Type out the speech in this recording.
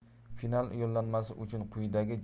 final yo'llanmasi uchun quyidagi